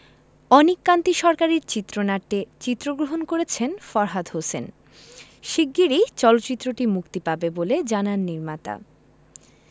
অনিক কান্তি সরকারের চিত্রনাট্যে চিত্রগ্রহণ করেছেন ফরহাদ হোসেন শিগগিরই চলচ্চিত্রটি মুক্তি পাবে বলে জানান নির্মাতা